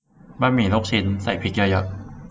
บะหมี่ลูกชิ้นใส่พริกเยอะเยอะ